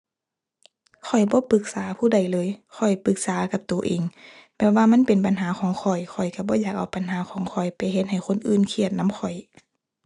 ข้อยบ่ปรึกษาผู้ใดเลย ข้อยปรึกษากับตัวเอง แบบว่ามันเป็นปัญหาของข้อย ข้อยตัวบ่อยากเอาปัญหาของข้อยไปเฮ็ดให้คนอื่นเครียดนำข้อย